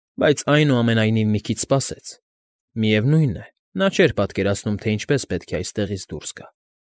Բայց այնուամենայնիվ մի քիչ սպասեց. միևնույն է, նա չէր պատկերացնում, թե ինչպես պետք է այստեղից դուրս գա։